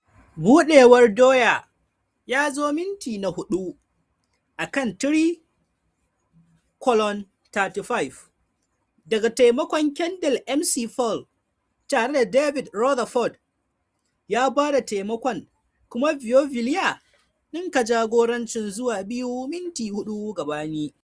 Buɗewar Dwyer ya zo minti na hudu a kan 3:35 daga taimakon Kendall McFaull, tare da David Rutherford ya ba da taimakon kuma Beauvillier ninka jagorancin zuwa biyu minti hudu gabani.